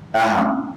Nam !